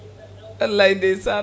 wallay ndeysan